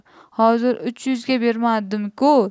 hozir uch yuzga bermadim ku